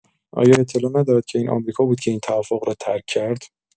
آیا اطلاع ندارد که این آمریکا بود که این توافق را ترک کرد؟